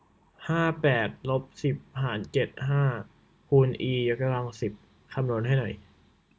ห้าแปดลบสิบหารเจ็ดห้าคูณอียกกำลังสิบคำนวณให้หน่อย